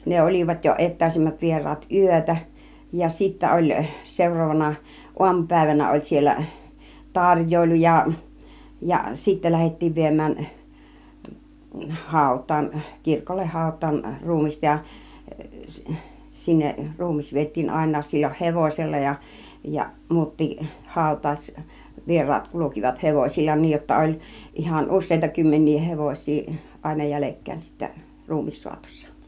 ne olivat jo etäisimmät vieraat yötä ja sitten oli seuraavana aamupäivänä oli siellä tarjoilu ja ja sitten lähdettiin viemään hautaan kirkolle hautaan ruumista ja sinne ruumis vietiin ainakin silloin hevosella ja ja muutkin hautajaisvieraat kulkivat hevosilla niin jotta oli ihan useita kymmeniä hevosia aina jäljekkäin sitten ruumissaatossa